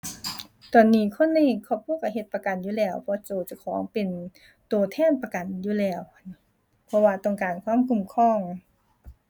ตอนนี้คนในครอบครัวก็เฮ็ดประกันอยู่แล้ว เพราะว่าก็เจ้าของเป็นก็แทนประกันอยู่แล้ว เพราะว่าต้องการความคุ้มครอง